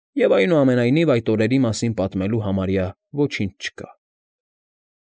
Եվ այնուամենայնիվ այդ օրերի մասին պատմելու համարյա ոչինչ չկա։